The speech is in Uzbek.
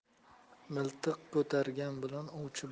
miltiq ko'targan bilan ovchi